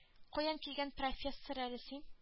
Каян килгән профессор әле син